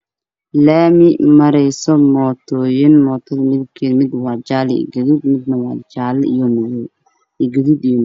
Laami marayso mootooyin mootada midabkeedu mid waa jaalo midna waa gaduud